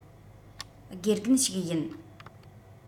དགེ རྒན ཞིག ཡིན